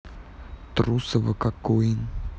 трусова как queen